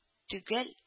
Төгәл